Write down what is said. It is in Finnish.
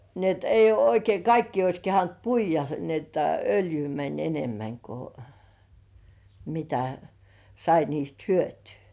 niin että ei ole oikein kaikkia olisi kehdannut puida niin että öljyä meni enemmän kun mitä sai niistä hyötyä